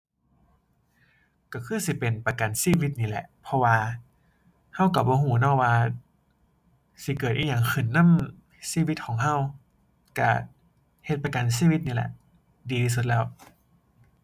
ก็คือสิเป็นประกันชีวิตนี่แหละ เพราะว่าก็ก็บ่ก็เนาะว่าสิเกิดอิหยังขึ้นนำชีวิตของก็ ก็เฮ็ดประกันชีวิตนี่แหละดีสุดแล้ว